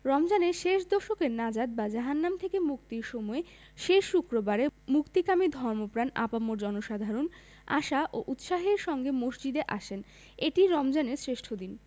রমজানের শেষ দশকে নাজাত বা জাহান্নাম থেকে মুক্তির সময়ে শেষ শুক্রবারে মুক্তিকামী ধর্মপ্রাণ আপামর জনসাধারণ আশা ও উৎসাহের সঙ্গে মসজিদে আসেন এটি রমজানের শ্রেষ্ঠ দিন